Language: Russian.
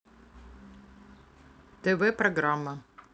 тв программа